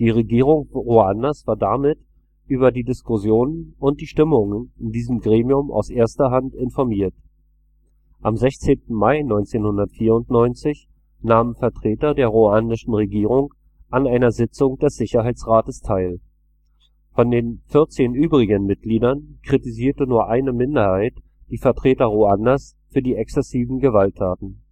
Regierung Ruandas war damit über die Diskussionen und Stimmungen in diesem Gremium aus erster Hand informiert. Am 16. Mai 1994 nahmen Vertreter der ruandischen Regierung an einer Sitzung des Sicherheitsrates teil. Von den 14 übrigen Mitgliedern kritisierte nur eine Minderheit die Vertreter Ruandas für die exzessiven Gewalttaten